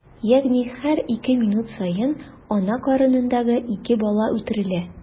Ягъни һәр ике минут саен ана карынындагы ике бала үтерелә.